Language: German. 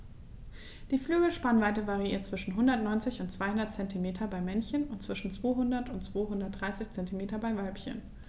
Die Flügelspannweite variiert zwischen 190 und 210 cm beim Männchen und zwischen 200 und 230 cm beim Weibchen.